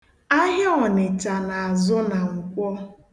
Ahịa Ọnịcha na-azụ na Nkwọ.